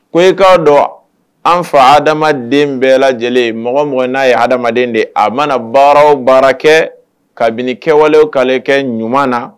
Ko e k'a dɔn an fa adamaden bɛɛ lajɛlen mɔgɔ m n'a ye adamadamaden de ye a mana baaraw baara kɛ kabini kɛwale kale kɛ ɲuman na